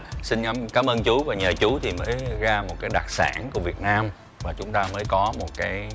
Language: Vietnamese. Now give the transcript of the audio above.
xin cảm ơn chú và nhờ chú thì mới ra một cái đặc sản của việt nam và chúng ta mới có một cái